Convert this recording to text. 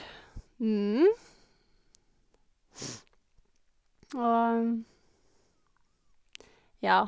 Og, ja.